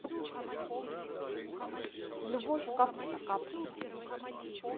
любовь капля за каплей